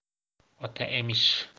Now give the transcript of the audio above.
ota emish